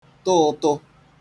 tụ ụ̀tụ